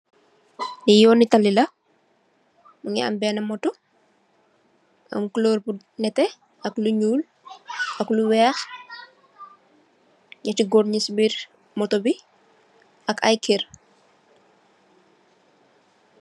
Li yooni tali la mugii am benna moto am kulor bu netteh ak lu ñuul ak lu wèèx ñetti gór ñing ci biir moto bi ak ay kèr.